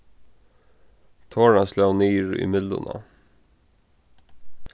toran sló niður í mylluna